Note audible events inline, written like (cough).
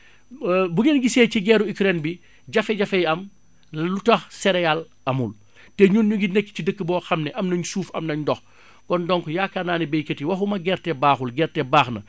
(hesitation) bu ngeen gisee ci guerre ru Ukraine bi jafe-jafe yi am lu tax céréale amul te ñun ñu ngi nekk ci dëkk boo xam ne am nañ suuf am nañ ndox kon donc yaakaar naa ne baykat yi waxuma gerte baaxul gerte baax na